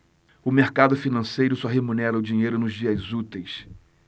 o mercado financeiro só remunera o dinheiro nos dias úteis